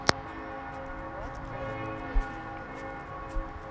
уаз болотоход